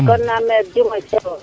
kona Mere Diouma Thiawo